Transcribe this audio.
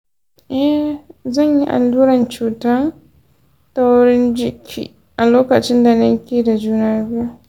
eh, zan yi alluran cutar taurin jiki a lokacin da nake da juna biyu.